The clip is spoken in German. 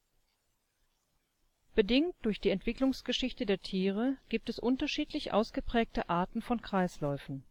Bedingt durch die Entwicklungsgeschichte der Tiere gibt es unterschiedlich ausgeprägte Arten von Kreisläufen